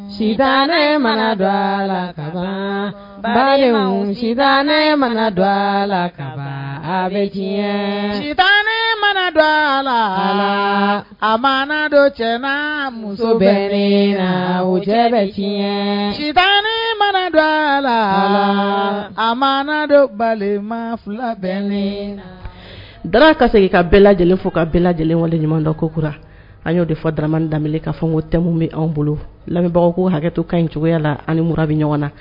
Mana dɔ mana dɔ la bɛ mana dɔ a la a ma dɔ cɛ muso bɛ na mana dɔ la a ma dɔ balima fila bɛ na da ka segin ka bɛɛ lajɛlen fo ka bɛɛ lajɛlen wale ɲuman dɔ kokura an y'o de fɔ dɔrɔnmani da k kaa fɔ ko temu bɛ anw bolo lamɛnbagaw ko hakɛ ka ɲi cogoya la aniura bɛ ɲɔgɔn na